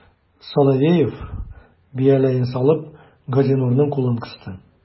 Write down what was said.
Соловеев, бияләен салып, Газинурның кулын кысты.